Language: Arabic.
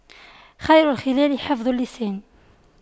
خير الخلال حفظ اللسان